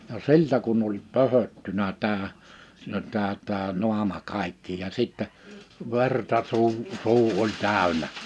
ja siltä kun oli pöhöttynyt tämä siinä on tämä tämä naama kaikki ja sitten verta suu suu oli täynnä